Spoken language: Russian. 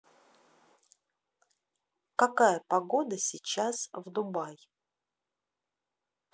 какая погода сейчас в дубай